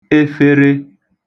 efere